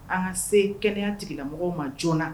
An ka se kɛnɛya tigila mɔgɔw ma joona na.